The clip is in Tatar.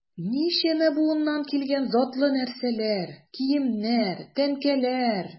Ничәмә буыннан килгән затлы нәрсәләр, киемнәр, тәңкәләр...